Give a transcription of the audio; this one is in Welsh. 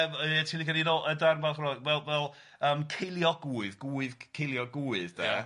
...fel fel yym ceiliogwydd, gwydd ceiliogwydd de... Ia